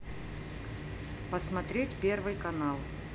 смотреть первый канал